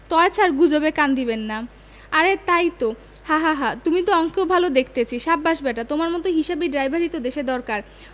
তয় ছার গুজবে কান দিবেন না আরে তাই তো হাহাহা তুমি তো অঙ্কেও ভাল দেখতেছি সাব্বাস ব্যাটা তোমার মত হিসাবি ড্রাইভারই তো দেশে দরকার